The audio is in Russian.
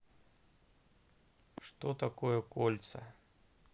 что такое кольца